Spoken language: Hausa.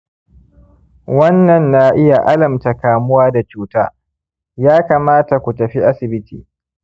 wannan na iya alamta kamuwa da cuta, ya kamata ku tafi asibiti